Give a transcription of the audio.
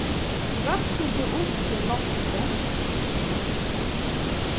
røkkur tú upp til loftið